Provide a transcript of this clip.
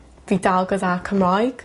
fi dal gyda Cymraeg.